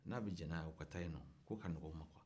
n'a bɛ diɲɛ u ka taa yen o ka nɔgɔ u ma